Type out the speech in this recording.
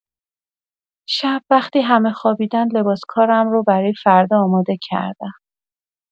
شب وقتی همه خوابیدن، لباس کارم رو برای فردا آماده کردم.